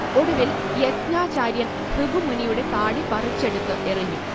ഒടുവിൽ യജ്ഞാചാര്യൻ ഭൃഗുമുനിയുടെ താടി പറിച്ചെടുത്ത് എറിഞ്ഞു